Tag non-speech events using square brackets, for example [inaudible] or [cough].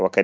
[hesitation] [hesitation]